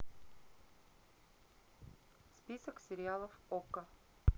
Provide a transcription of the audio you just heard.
список сериалов окко